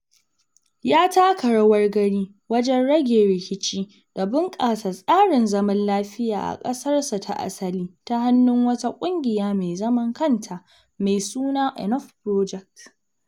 Ya taka rawar gani wajen rage rikici da bunƙasa tsarin zaman lafiya a ƙasarsa ta asali, ta hannun wata Ƙungiya mai zaman kanta mai suna Enough Project.